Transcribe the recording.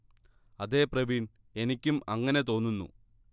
അതേ പ്രവീൺ എനിക്കും അങ്ങനെ തോന്നുന്നു